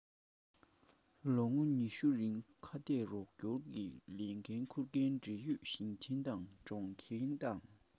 ལོ རིང ཁ གཏད རོགས སྐྱོར གྱི ལས འགན ཁུར མཁན འབྲེལ ཡོད ཞིང ཆེན དང གྲོང ཁྱེར དང